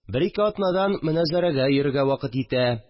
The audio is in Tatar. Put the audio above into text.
Бер ике атнадан моназарәгә йөрергә вакыт йитә